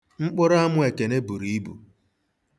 Mkpụrụamụ Ekene buru ibu.